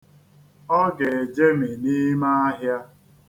Ọ ga-ejemi n'ime ahịa.